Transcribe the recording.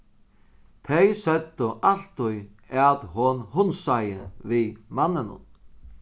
tey søgdu altíð at hon hundsaði við manninum